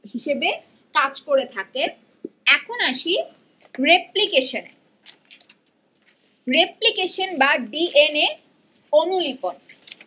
হিসেবে কাজ করে থাকে এখন আসি রেপ্লিকেশন রেপ্লিকেশন বা ডিএনএ অনুলিপন